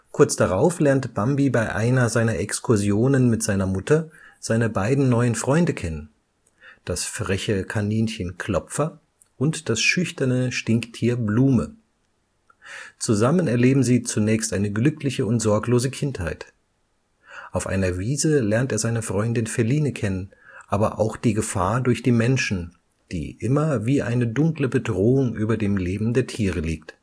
Kurz darauf lernt Bambi bei einer seiner Exkursionen mit seiner Mutter seine beiden neuen Freunde kennen: das freche Kaninchen Klopfer und das schüchterne Stinktier Blume. Zusammen erleben sie zunächst eine glückliche und sorglose Kindheit. Auf einer Wiese lernt er seine Freundin Feline kennen, aber auch die Gefahr durch die Menschen, die immer wie eine dunkle Bedrohung über dem Leben der Tiere liegt